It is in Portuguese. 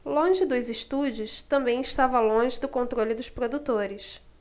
longe dos estúdios também estava longe do controle dos produtores